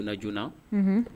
Donna joonana